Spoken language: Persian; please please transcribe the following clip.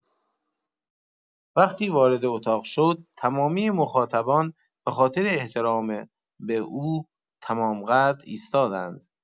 وقتی وارد اتاق شد، تمامی مخاطبان به‌خاطر احترام به او، تمام‌قد ایستادند.